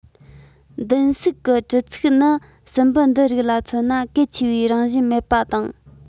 མདུན སུག གི གྲུ ཚིགས ནི སྲིན འབུ འདི རིགས ལ མཚོན ན གལ ཆེ བའི རང བཞིན མེད པ དང